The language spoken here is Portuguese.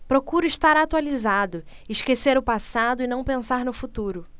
procuro estar atualizado esquecer o passado e não pensar no futuro